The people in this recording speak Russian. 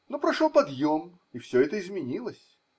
– но прошел подъем, и все это изменилось.